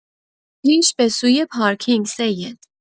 پیش به سوی پارکینگ سید